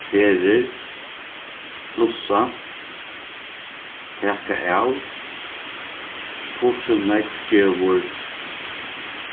ferðir plussa taka av hvussu nógv gevur